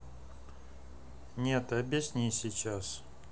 нет объясни сейчас